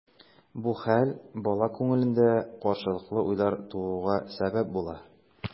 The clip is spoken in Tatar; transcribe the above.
Бу хәл бала күңелендә каршылыклы уйлар тууга сәбәп була.